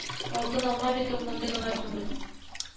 Алтын алма бит ул мондый гына түгел